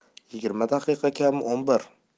yigirma daqiqa kam o'n bir